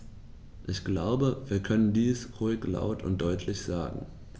Ich glaube, wir können dies ruhig laut und deutlich sagen.